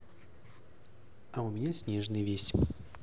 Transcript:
а у меня снежный весь